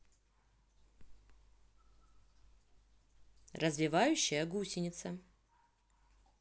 развивающая гусеница